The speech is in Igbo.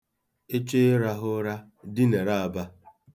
Ị chọọ ịrahụ ụra, dinara aba.